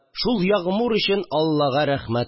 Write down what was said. Шул ягъмур өчен аллага рәхмәт